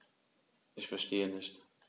Ich verstehe nicht.